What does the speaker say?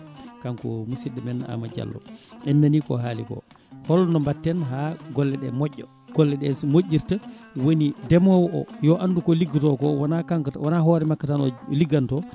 kanko musidɗo men Amadaou Diallo en nani ko haali ko holno mbatten ha golle ɗe moƴƴa golle ɗe so moƴƴirta woni ndeemowo oyo andu ko liggoto ko wona kanko tan wona hoore makko tan o ligganto